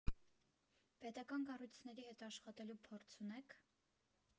Պետական կառույցների հետ աշխատելու փորձ ունե՞ք։